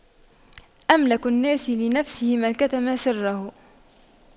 أملك الناس لنفسه من كتم سره